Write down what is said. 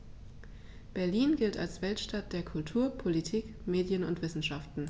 Berlin gilt als Weltstadt der Kultur, Politik, Medien und Wissenschaften.